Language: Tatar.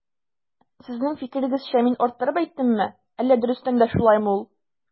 Сезнең фикерегезчә мин арттырып әйтәмме, әллә дөрестән дә шулаймы ул?